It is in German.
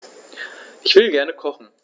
Ich will gerne kochen.